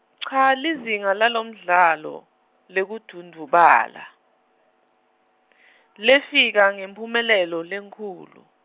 cha lizinga lalomdlalo lekudvundvubala , lefika ngemphumelelo lenkhulu.